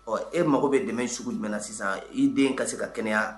Ɔ e mago bɛ dɛmɛ sugu jumɛn na sisan i den ka se ka kɛnɛyaya